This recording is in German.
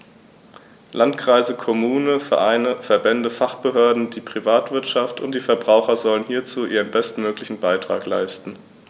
Landkreise, Kommunen, Vereine, Verbände, Fachbehörden, die Privatwirtschaft und die Verbraucher sollen hierzu ihren bestmöglichen Beitrag leisten.